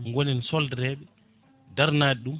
gonen soldareɓe daranade ɗum